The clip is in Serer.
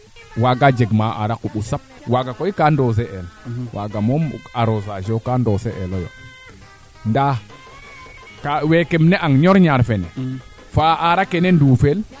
so foogum manaam ke toubab a leyna kee daawna kaaf ke fo arake aussi a daawa mbasi fee wala maac ke wala ke ando naye ten refu mbrsiin ne yiin keene yiin